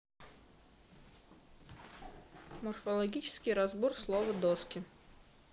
морфологический разбор слова доски